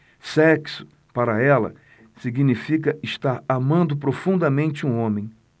sexo para ela significa estar amando profundamente um homem